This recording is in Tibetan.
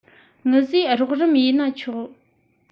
ངུ བཟོས རོགས རམ ཡས ན ཆོག